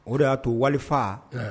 O de y'a to wali fa